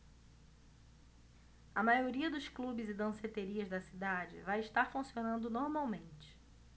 a maioria dos clubes e danceterias da cidade vai estar funcionando normalmente